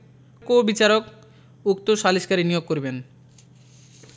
কো বিচারক উক্ত সালিসকারী নিয়োগ করিবেন